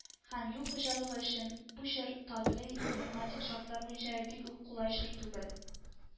Һәм юл хуҗалыгы өчен бу чор табигый-климатик шартлар буенча бик үк кулай чор түгел